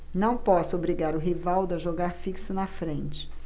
não posso obrigar o rivaldo a jogar fixo na frente